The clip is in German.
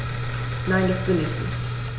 Nein, das will ich nicht.